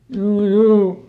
juu juu